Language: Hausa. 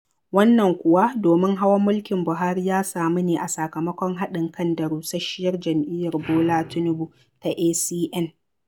Wannan kuwa domin hawan mulkin Buhari ya samu ne a sakamakon haɗin kai da rusasshiyar jam'iyyar Bola Tinubu ta (ACN).